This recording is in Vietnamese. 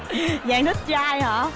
vàng thích trai hở